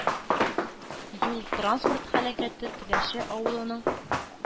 Юлтранспорт һәлакәте теләче авылының